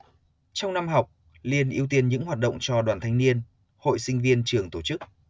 trong năm học liên ưu tiên những hoạt động cho đoàn thanh niên hội sinh viên trường tổ chức